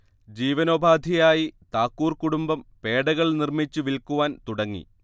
ജീവനോപാധിയായി താക്കൂർ കുടുംബം പേഡകൾ നിർമ്മിച്ച് വിൽക്കുവാൻ തുടങ്ങി